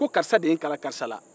ko karisa de y'i kalan karisa la